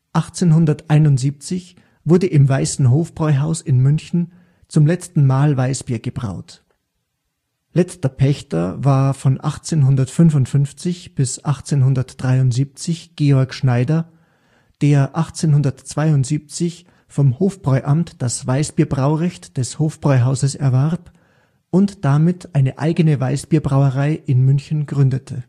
1871 wurde im Weißen Hofbräuhaus in München zum letzten Mal Weißbier gebraut. Letzter Pächter (von 1855 - 1873) war Georg Schneider, der 1872 vom Hofbräuamt das Weißbierbraurecht des Hofbräuhauses erwarb und damit eine eigene Weißbierbrauerei in München gründete